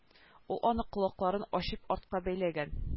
Ул аны колакларын ачып артка бәйләгән